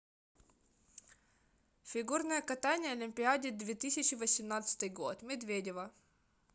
фигурное катание олимпиада две тысячи восемнадцатый год медведева